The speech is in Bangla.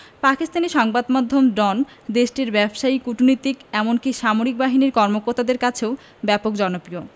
পাকিস্তানি সংবাদ মাধ্যম ডন দেশটির ব্যবসায়ী কূটনীতিক এমনকি সামরিক বাহিনীর কর্মকর্তাদের কাছেও ব্যাপক জনপ্রিয়